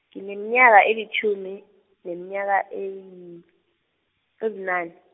ngineminyaka elitjhumi, neminyaka eyi- ebunane.